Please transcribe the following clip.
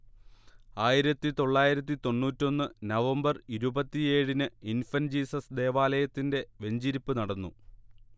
ആയിരത്തി തൊള്ളായിരത്തി തൊണ്ണൂറ്റി ഒന്ന് നവംബർ ഇരുപത്തി ഏഴിന് ഇൻഫന്റ് ജീസസ് ദേവാലയത്തിന്റെ വെഞ്ചരിപ്പ് നടന്നു